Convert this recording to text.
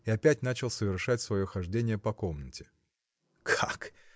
и опять начал совершать свое хождение по комнате. – Как!